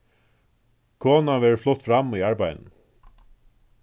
konan verður flutt fram í arbeiðinum